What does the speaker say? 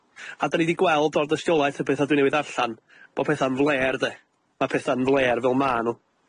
A 'dan ni 'di gweld o'r dystiolaeth y petha dwi newydd ddarllan, bo' petha'n flêr 'de. Ma' petha'n flêr fel ma' nw.